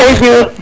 waay kay Diouf